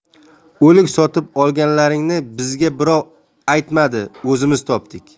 o'lik sotib olganlaringni bizga birov aytmadi o'zimiz topdik